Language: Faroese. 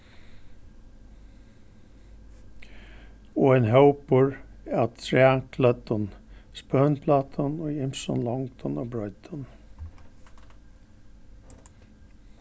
og ein hópur av trækløddum spønplátum í ymiskum longdum og breiddum